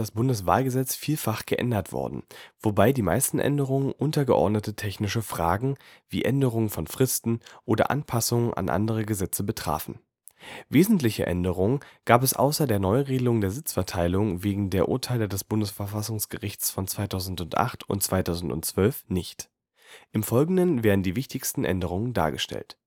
Bundeswahlgesetz vielfach geändert worden, wobei die meisten Änderungen untergeordnete technische Fragen wie Änderung von Fristen oder Anpassungen an andere Gesetze betrafen. Wesentliche Änderungen gab es außer der Neuregelung der Sitzverteilung wegen der Urteile des Bundesverfassungsgerichts von 2008 und 2012 nicht. Im Folgenden werden die wichtigsten Änderungen dargestellt